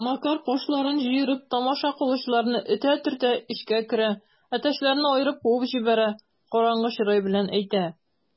Макар, кашларын җыерып, тамаша кылучыларны этә-төртә эчкә керә, әтәчләрне аерып куып җибәрә, караңгы чырай белән әйтә: